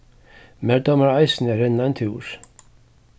mær dámar eisini at renna ein túr